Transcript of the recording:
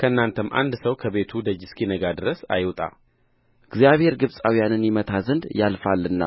ከእናንተም አንድ ሰው ከቤቱ ደጅ እስኪነጋ ድረስ አይውጣ እግዚአብሔር ግብፃውያንን ይመታ ዘንድ ያልፋልና